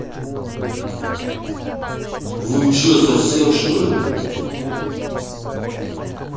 вы че совсем чтоли